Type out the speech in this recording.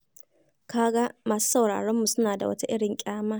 Ka ga, masu sauraronmu suna da wata irin ƙyama…